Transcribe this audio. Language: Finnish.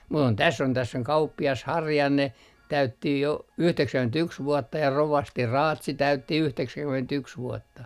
mutta on tässä on tässä on kauppias Harjanne täytti jo yhdeksänkymmentäyksi vuotta ja rovasti Raatsi täytti yhdeksänkymmentäyksi vuotta